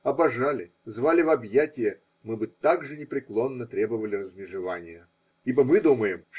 обожали, звали в объятия, мы бы так же непреклонно требовали размежевания. Ибо мы думаем.